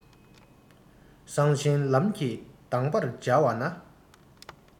གསང ཆེན ལམ གྱི གདམས པར མཇལ བ ན